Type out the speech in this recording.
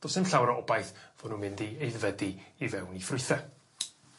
do's 'im llawer o obaith fo' nw'n mynd i aeddfedu i fewn i ffrwythe.